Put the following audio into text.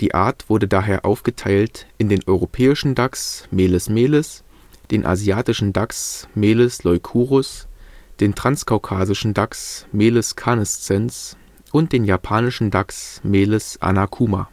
Die Art wurde daher aufgeteilt in den Europäischen Dachs (Meles meles), den Asiatischen Dachs (Meles leucurus), den Transkaukasischen Dachs (Meles canescens) und den Japanischen Dachs (Meles anakuma